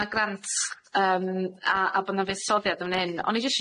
'na grant yym a a bo 'na fuddsoddiad yn 'yn o'n i jyst